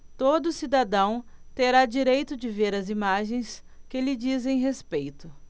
todo cidadão terá direito de ver as imagens que lhe dizem respeito